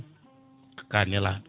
ka nelaɗo